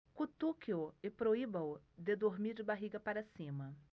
cutuque-o e proíba-o de dormir de barriga para cima